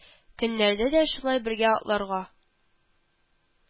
Көннәрдә дә шулай бергә атларга